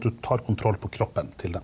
du tar kontroll på kroppen til den.